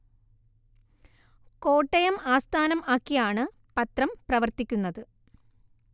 കോട്ടയം ആസ്ഥാനം ആക്കി ആണ് പത്രം പ്രവർത്തിക്കുന്നത്